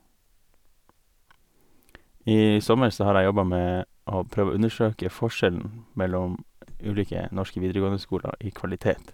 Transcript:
I sommer så har jeg jobba med å prøve å undersøke forskjellen mellom ulike norske videregående skoler i kvalitet.